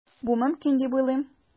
Бу мөмкин дип уйлыйм.